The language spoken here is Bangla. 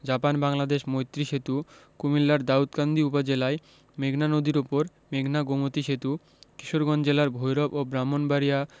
জাপান বাংলাদেশ মৈত্রী সেতু কুমিল্লার দাউদকান্দি উপজেলায় মেঘনা নদীর উপর মেঘনা গোমতী সেতু কিশোরগঞ্জ জেলার ভৈরব ও ব্রাহ্মণবাড়িয়া